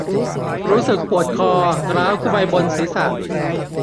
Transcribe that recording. รู้สึกปวดคอร้าวขึ้นไปบนศีรษะ